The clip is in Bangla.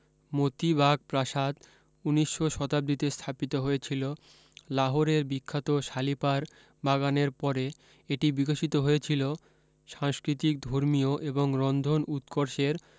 মোতি বাগ প্রাসাদ উনিশশ শতাব্দীতে স্থাপিত হয়েছিলো লাহোরের বিখ্যাত শালিপার বাগানের পরে এটি বিকশিত হয়েছিলো সাংষ্কৃতিক ধর্মীয় এবং রন্ধন উৎকর্ষের